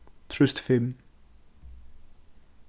trýst fimm